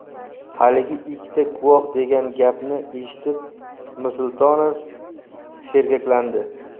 haligi ikkita guvoh degan gapni eshitib mirsultonov sergaklandi